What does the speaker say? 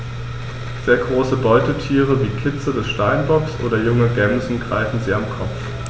Sehr große Beutetiere wie Kitze des Steinbocks oder junge Gämsen greifen sie am Kopf.